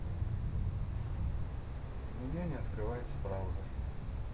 у меня не открывается браузер